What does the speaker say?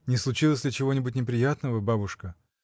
— Не случилось ли чего-нибудь неприятного, бабушка?